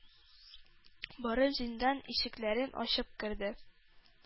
Барып зиндан ишекләрен ачып керде,